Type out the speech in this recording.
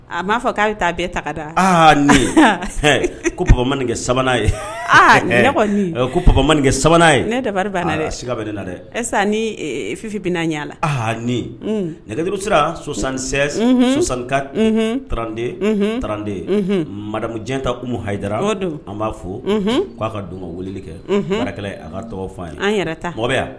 A m'a fɔ k'a bɛ taa bɛɛ taga da ni ko babainkɛ sabanan ye aa ko babainkɛ sabanan ye ne da ne siga bɛ ne na dɛ esa ni fifi bɛ ɲa la aa ni nɛgɛduuru sirasansanka trante tranden mamu jan ta kun hara don an b'a fo k ko'a ka don ka wele kɛ a tɔgɔ fɔ a ye an yɛrɛ ta mɔgɔ yan